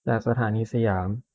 จากสถานีสยาม